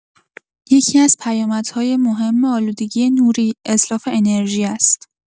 یکی‌از پیامدهای مهم آلودگی نوری، اتلاف انرژی است.